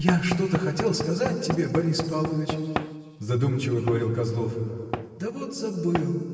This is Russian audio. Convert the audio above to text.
— Я что-то хотел сказать тебе, Борис Павлович, — задумчиво говорил Козлов, — да вот забыл.